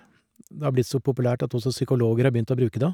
Det har blitt så populært at også psykologer har begynt å bruke det.